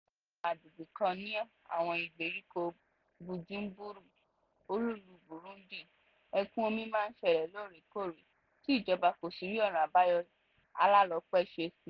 Ní àwọn agbègbè kan ní àwọn ìgbèríko Bujumbura, olúìlú Burundi, ẹ̀kún-omi máa ń ṣẹlẹ̀ lóòrèkóòrè tí ìjọba kò sì rí ọ̀nà-àbáyọ alálòpẹ́ ṣe síi.